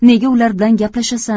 nega ular bilan gaplashasan